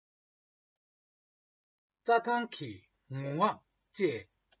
རྩ ཐང གི ངུ ངག བཅས